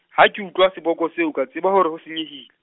ha ke utlwa seboko seo ka tseba hore ho senyehile.